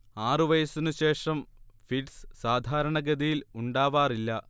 ആറു വയസ്സിനുശേഷം ഫിറ്റ്സ് സാധാരണഗതയിൽ ഉണ്ടാവാറില്ല